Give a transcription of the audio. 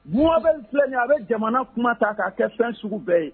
Muma bɛ filɛ ɲɛ a bɛ jamana kuma ta k'a kɛ fɛn sugu bɛɛ ye